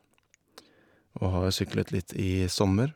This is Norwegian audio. Og har syklet litt i sommer.